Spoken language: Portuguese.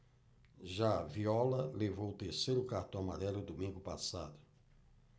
já viola levou o terceiro cartão amarelo domingo passado